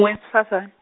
wesifazan-.